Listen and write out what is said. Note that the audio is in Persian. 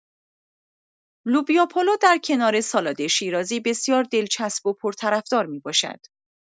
لوبیاپلو در کنار سالاد شیرازی بسیار دلچسب و پرطرفدار می‌باشد.